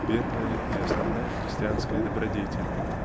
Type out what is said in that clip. первая и основная христианская добродетель